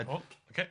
O ocê.